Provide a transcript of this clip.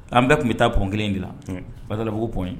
An bɛɛ tun bɛ taa pont kelen in de la, Badalabugu pont !